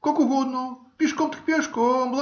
- Как угодно; пешком, так пешком.